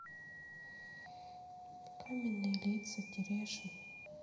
каменные лица терешин